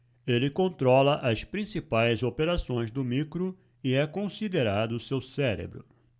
ele controla as principais operações do micro e é considerado seu cérebro